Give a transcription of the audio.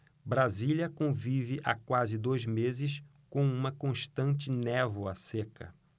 brasília convive há quase dois meses com uma constante névoa seca